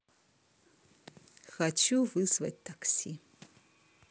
хочу вызвать такси